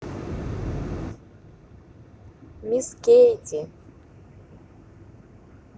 мисс кейти